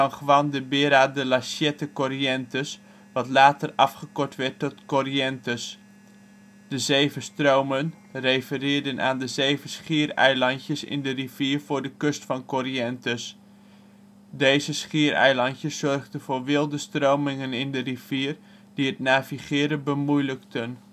Juan de Vera de las Siete Corrientes, wat later afgekort werd tot Corrientes. The " zeven stromen " refereerden naar de zeven schiereilandjes in de rivier voor de kust van Corrientes. Deze schiereilandjes zorgden voor wilde stromingen in de rivier die het navigeren bemoeilijkten